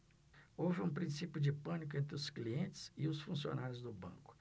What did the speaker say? houve princípio de pânico entre os clientes e funcionários do banco